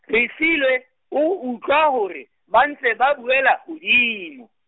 Refilwe, o utlwa hore, ba ntse ba buela hodimo.